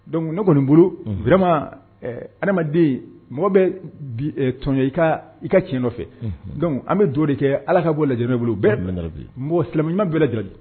Donc ne kɔni bolo. Unhun. vraiment ɛ ɛ adamaden, mɔgɔ bɛ bin, tɔɲɔn i ka i ka tiɲɛ nɔfɛ. Unhun. donc an bɛ dugawu de kɛ ala k'a bɔ lajarabi bolo. Amina ya rabi . Bɛɛ silamɛ ɲuman bɛɛ lajɛlen.